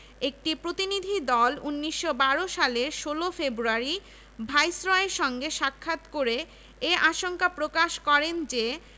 এবং অর্থব্যয় হয়েছে ৩ লক্ষ ৮৩ হাজার ৬১৯ টাকা ১৯০৫ থেকে ১৯১০ ১১ শিক্ষাবর্ষ পর্যন্ত